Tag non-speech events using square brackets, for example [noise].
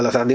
[hesitation] [hesitation]